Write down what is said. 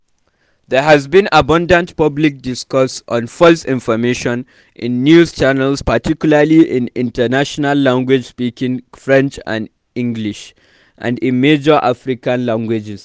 There has been abundant public discourse on false information in news channels, particularly in international languages like French and English, and in major African languages.